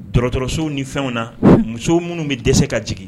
Dɔgɔtɔrɔsow ni fɛnw na musow minnu bɛ dɛsɛ ka jigin